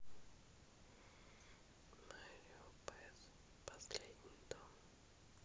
марио пезо последний дон